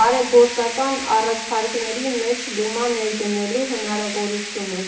բարեգործական առաջարկների մեջ լումա ներդնելու հնարավորությունը։